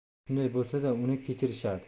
shunday bo'lsa da uni kechirishadi